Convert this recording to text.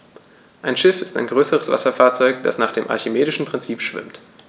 Ein Schiff ist ein größeres Wasserfahrzeug, das nach dem archimedischen Prinzip schwimmt.